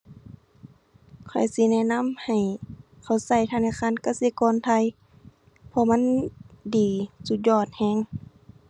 ข้อยสิแนะนำให้เขาใช้ธนาคารกสิกรไทย เพราะมันดี สุดยอดใช้